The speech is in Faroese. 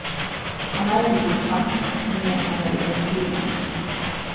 hann lærdi seg spanskt meðan hann var í argentina